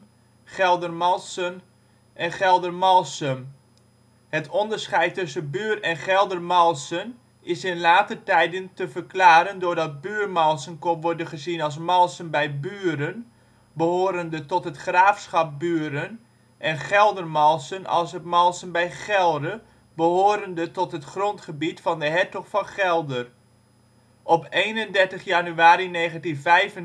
Geldermalssen en Geldermalsem. Het onderscheid tussen Buur - en Geldermalsen is in later tijden te verklaren doordat Buurmalsen kon worden gezien als Malsen bij Buren, behorende tot het graafschap Buren en Geldermalsen als het Malsen bij Gelre, behorende tot het grondgebied van de Hertog van Gelder. Op 31 januari 1995